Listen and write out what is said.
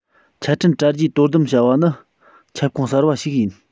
ཆ འཕྲིན དྲ རྒྱའི དོ དམ བྱ བ ནི ཁྱབ ཁོངས གསར པ ཞིག ཡིན